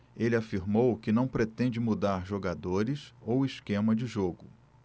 ele afirmou que não pretende mudar jogadores ou esquema de jogo